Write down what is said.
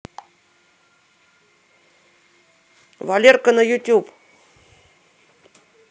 валерка на ютюб